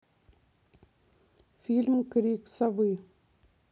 фильм крик совы